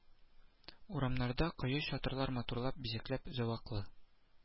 Урамнарда кое-чатырлар матурлап бизәкләп, зәвыклы